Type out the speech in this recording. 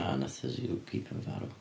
A wnaeth y zookeeper farw.